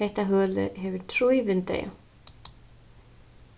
hetta hølið hevur trý vindeygu